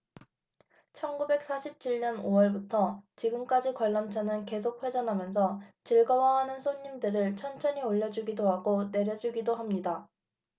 천 구백 사십 칠 년 오 월부터 지금까지 관람차는 계속 회전하면서 즐거워하는 손님들을 천천히 올려 주기도 하고 내려 주기도 합니다